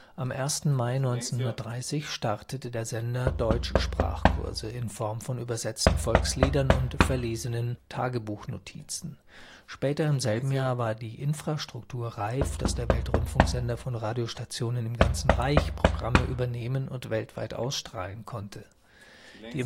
Am 1. Mai 1930 startete der Sender Deutsch-Sprachkurse in Form von übersetzten Volksliedern und verlesenen Tagebuchnotizen. Später im selben Jahr war die Infrastruktur reif, dass der Weltrundfunksender von Radiostationen im ganzen Reich Programm übernehmen und weltweit ausstrahlen konnte. Die